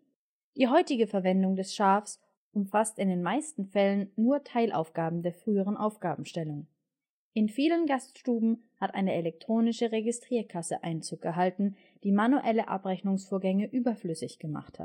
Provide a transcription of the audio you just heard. Die heutige Verwendung des Schaafs umfasst in den meisten Fällen nur Teilaufgaben der früheren Aufgabenstellung – in viele Gaststuben hat eine elektronische Registrierkasse Einzug gehalten, die manuelle Abrechnungsvorgänge überflüssig gemacht